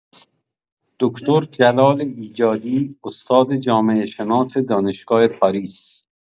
دکتر جلال ایجادی استاد جامعه‌شناس دانشگاه پاریس